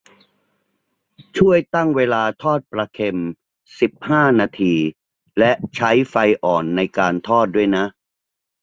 ช่วยตั้งเวลาทอดปลาเค็มสิบห้านาทีและใช้ไฟอ่อนในการทอดด้วยนะ